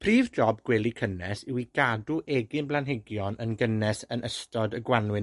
Prif job gwely cynnes yw i gadw egin blanhigion yn gynnes yn ystod y Gwanwyn.